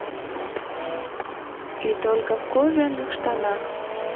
и только в кожаных штанах